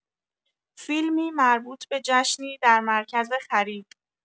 فیلمی مربوط به جشنی در مرکز خرید